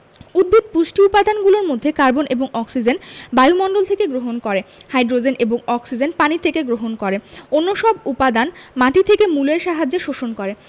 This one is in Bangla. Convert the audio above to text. উদ্ভিদ পুষ্টি উপাদানগুলোর মধ্যে কার্বন এবং অক্সিজেন বায়ুমণ্ডল থেকে গ্রহণ করে হাই্ড্রোজেন এবং অক্সিজেন পানি থেকে গ্রহণ করে অন্যসব উপাদান মাটি থেকে মূলের সাহায্যে শোষণ করে